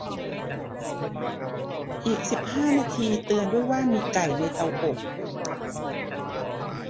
อีกสิบหน้านาทีเตือนด้วยว่ามีไก่ในเตาอบ